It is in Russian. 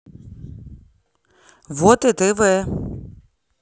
воте тв